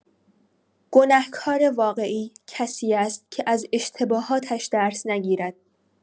گنه‌کار واقعی کسی است که از اشتباهاتش درس نگیرد.